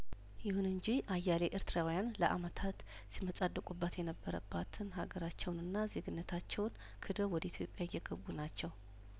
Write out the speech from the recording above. ይሁን እንጂ አያሌ ኤርትራዊያን ለአመታት ሲመጻደቁባት የነበረባትን ሀገራቸውንና ዜግነታቸውን ክደው ወደ ኢትዮጵያ እየገቡ ናቸው